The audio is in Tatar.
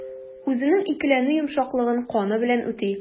Үзенең икеләнү йомшаклыгын каны белән түли.